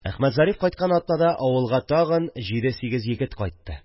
Әхмәтзариф кайткан атнада авылга тагын җиде-сигез егет кайтты